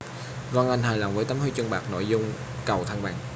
vân anh hài lòng với tấm huy chương bạc nội dung cầu thăng bằng